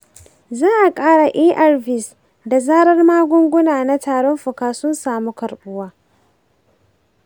za a ƙara arvs da zarar magunguna na tarin fuka sun samu karɓuwa.